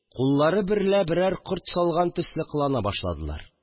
Куллары берлә берәр корт салган төсле кылана башладылар